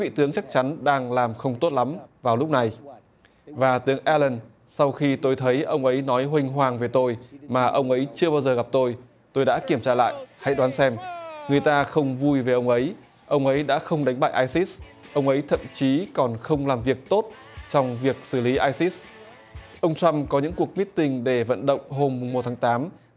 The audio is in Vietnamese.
vị tướng chắc chắn đang làm không tốt lắm vào lúc này và tướng e lừn sau khi tôi thấy ông ấy nói huênh hoang về tôi mà ông ấy chưa bao giờ gặp tôi tôi đã kiểm tra lại hãy đoán xem người ta không vui về ông ấy ông ấy đã không đánh bại ai sít ông ấy thậm chí còn không làm việc tốt trong việc xử lý ai sít ông trăm có những cuộc mít tinh để vận động hôm mùng một tháng tám